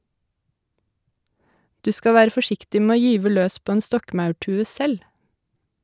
- Du skal være forsiktig med å gyve løs på en stokkmaurtue selv.